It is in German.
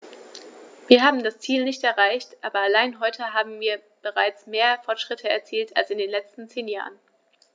Wir haben das Ziel nicht erreicht, aber allein heute haben wir bereits mehr Fortschritte erzielt als in den letzten zehn Jahren.